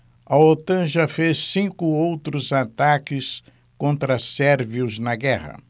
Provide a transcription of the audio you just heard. a otan já fez cinco outros ataques contra sérvios na guerra